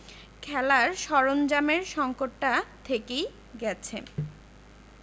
খেলার সরঞ্জামের সংকটটা থেকেই গেছে